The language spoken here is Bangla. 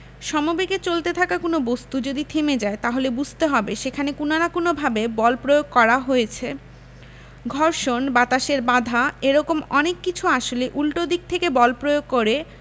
সমবেগে চলতে থাকা কোনো বস্তু যদি থেমে যায় তাহলে বুঝতে হবে সেখানে কোনো না কোনোভাবে বল প্রয়োগ করা হয়েছে ঘর্ষণ বাতাসের বাধা এ রকম অনেক কিছু আসলে উল্টো দিক থেকে বল প্রয়োগ করে